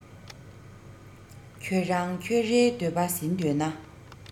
ཁྱོད རང ཁྱོད རའི འདོད པ ཟིན འདོད ན